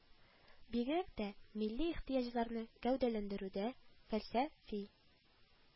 Бигрәк тә милли ихтыяҗларны гәүдәләндерүгә, фәлсә фи